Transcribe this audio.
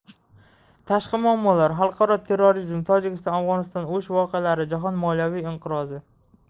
tashqi muammolar xalqaro terrorizm tojikiston afg'oniston o'sh voqealari jahon moliyaviy inqirozi